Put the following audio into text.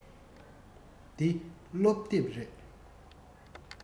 འདི སློབ དེབ རེད